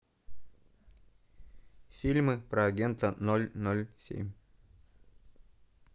фильмы про агента ноль ноль семь